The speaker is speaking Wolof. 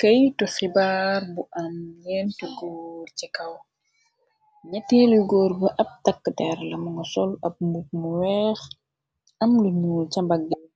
keytu xibaar bu am neenti góor, ci kaw ñeteelu góor bi, ab takkader lam nga sol ab mu sol mbubu bu weex am lu ñuul ca mbaggeya.